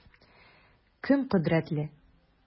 Кем кодрәтле?